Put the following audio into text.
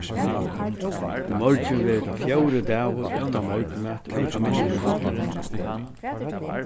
í morgin verður tað fjórði dagur uttan morgunmat við familju mínari